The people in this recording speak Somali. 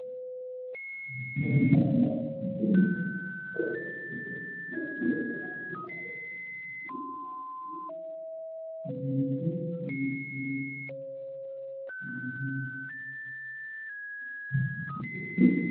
Waa boonbale caddaan waxaa saaran katiina wiilkeedu yahay dahabi ska waa caddaan darbigu caddaan